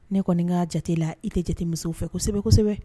Ne kɔni ka jate la i tɛ jate musow fɛ kosɛbɛ kosɛbɛ.